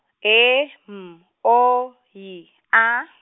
E M O Y A.